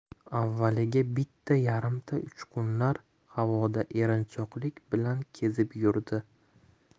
avvaliga bitta yarimta uchqunlar havoda erinchoqlik bilan kezib yurdi